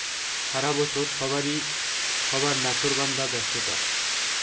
সারা বছর সবারই সবার নাছোড়বান্দা ব্যস্ততা